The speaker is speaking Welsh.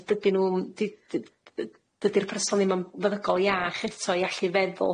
Dydyn nw di- d- d- dydi'r person ddim yn feddygol iach eto i allu feddwl.